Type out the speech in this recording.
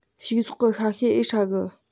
ཕྱུགས ཟོག གི ཤ ཤེད ཨེ ཧྲ གི